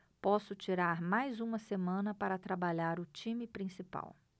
posso tirar mais uma semana para trabalhar o time principal